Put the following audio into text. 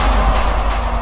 ạ